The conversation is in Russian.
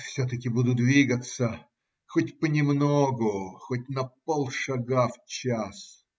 Все-таки буду двигаться, хоть понемногу, хоть на полшага в час.